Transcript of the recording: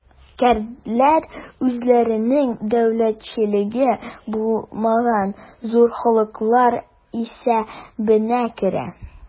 Көрдләр үзләренең дәүләтчелеге булмаган зур халыклар исәбенә керә.